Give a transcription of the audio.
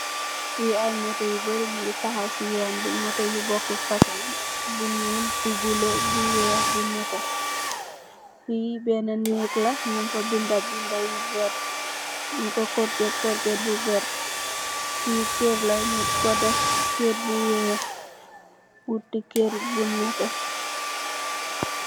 Lii aye moto yu bori ñungi tahw si yoon bi, moto yu bokut fason, bu ñuul, bu buleuh, bu weeh, bu neteh, fii bena neèk la, ñungfa binda hinda yu vert, ñungko korget korget bu vert, fii kerr la, ñungko def kerr bu weeh, bunti kerr bu neteh.